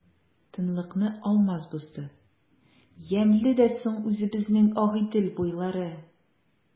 Тынлыкны Алмаз бозды:— Ямьле дә соң үзебезнең Агыйдел буйлары!